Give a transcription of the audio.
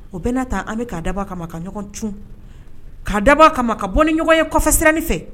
O bɛ' taa an bɛ ka dabɔ a kama ka ɲɔgɔn c kaa da'a kama ka bɔ ni ɲɔgɔn ye kɔfɛ siranni fɛ